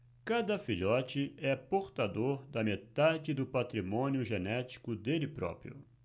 cada filhote é portador da metade do patrimônio genético dele próprio